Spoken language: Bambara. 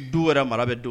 Du wɛrɛ mara bɛ don